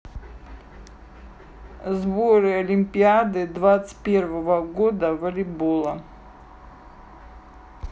сборы олимпиады двадцать первого года волейбола